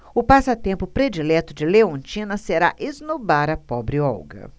o passatempo predileto de leontina será esnobar a pobre olga